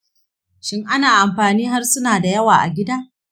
shin ana amfani harsuna dayawa a gida?